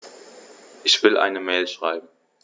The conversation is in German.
Ich will eine Mail schreiben.